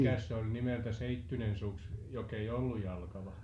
mikäs se oli nimeltä seittyinen suksi joka ei ollut jalkava